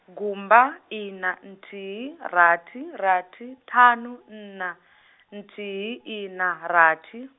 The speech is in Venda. gumba ina nthihi rathi rathi ṱhanu nṋa , nthihi ina rathi.